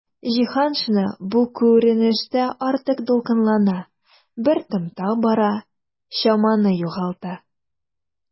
Җиһаншина бу күренештә артык дулкынлана, бер темпта бара, чаманы югалта.